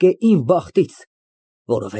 ԲԱԳՐԱՏ ֊ Ա, ինչ պարահանդես։ Ես ամեն ինչ մոռացա։